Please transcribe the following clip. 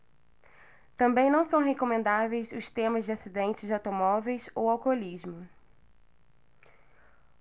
também não são recomendáveis os temas de acidentes de automóveis ou alcoolismo